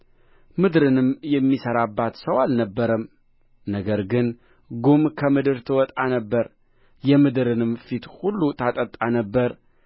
ምድርንም የሚሠራባት ሰው አልነበረም ነገር ግን ጉም ከምድር ትወጣ ነበር የምድርንም ፊት ሁሉ ታጠጣ ነበር